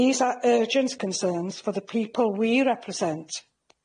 These are urgent concerns for the people we represent.